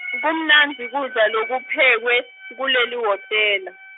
kumnandzi kudla lokuphekwe, kuleli wotela.